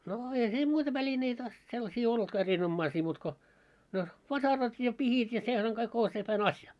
no eihän siinä muita välineitä sellaisia ollutkaan erinomaisia muuta kuin no vasarat ja pihdit ja sehän kaikki on sepän asia